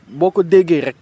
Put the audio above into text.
boo ko déggee rek